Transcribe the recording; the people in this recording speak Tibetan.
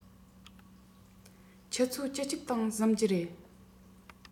ཆུ ཚོད བཅུ གཅིག སྟེང གཟིམ གྱི རེད